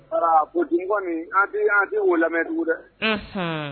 Voila, politique kɔnni an tɛ an tɛ o lamɛn tugu dɛ; Unhun!